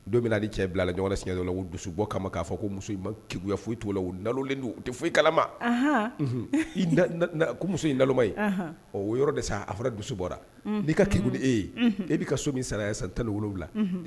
Don min na a di cɛ bila la ɲɔgɔn sila o dusu bɔ kama k'a fɔ ko muso maya foyi to la nalen don u tɛ foyi kalama ko muso indaloma o yɔrɔ de sa a fɔra dusu bɔrara n'i ka kiku e ye e' ka so min sara a ye san tan ni wolowula